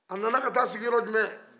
a nana ka taa sigi yɔrɔ jumɛn